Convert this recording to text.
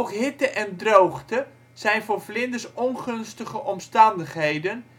hitte en droogte zijn voor vlinders ongunstige omstandigheden